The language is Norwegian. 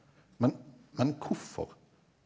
men men hvorfor?